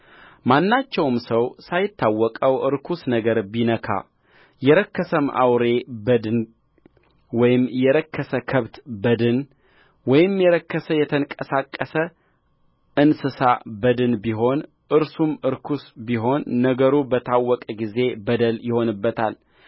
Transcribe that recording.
ማናቸውም ሰው ሳይታወቀው ርኩስ ነገር ቢነካ የረከሰም አውሬ በድን ወይም የረከሰ ከብት በድን ወይም የረከሰ የተንቀሳቀሰ እንስሳ በድን ቢሆን እርሱም ርኩስ ቢሆን ነገሩ በታወቀው ጊዜ በደል ይሆንበታል